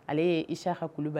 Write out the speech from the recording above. Ale ye isa halibali ye